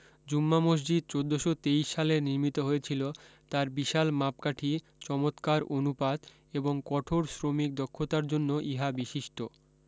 জুমমা মসজিদ চোদ্দশ তেইশ শালে নির্মিত হয়েছিলো তার বিশাল মাপকাঠি চমতকার অনুপাত এবং কঠোর শ্রমিক দক্ষতার জন্য ইহা বিশিষ্ট